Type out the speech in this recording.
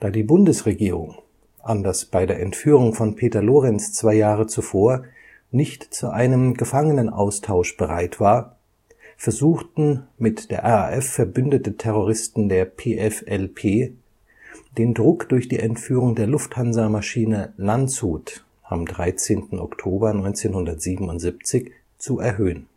die Bundesregierung – anders als bei der Entführung von Peter Lorenz zwei Jahre zuvor – nicht zu einem Gefangenenaustausch bereit war, versuchten mit der RAF verbündete Terroristen der PFLP, den Druck durch die Entführung der Lufthansa-Maschine „ Landshut “am 13. Oktober 1977 zu erhöhen